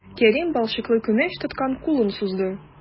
Кәрим балчыклы күмәч тоткан кулын сузды.